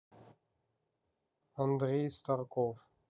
андрей старков